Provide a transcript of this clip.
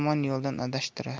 yomon yo'ldan adashtirar